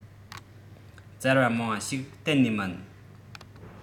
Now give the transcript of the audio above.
བཙལ བ མང བ ཞིག གཏན ནས མིན